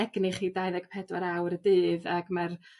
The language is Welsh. egni chi dau ddeg pedwar awr y dydd ag ma'r